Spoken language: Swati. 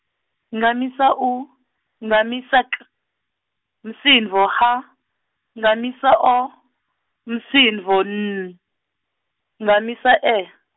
nkhamisa U, nkhamisa K, umsindvo H, nkhamisa O, umsindvo N, nkhamisa E.